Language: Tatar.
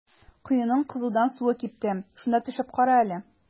Коеның кызудан суы кипте, шунда төшеп кара әле.